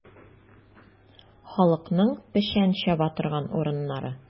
Халыкның печән чаба торган урыннары.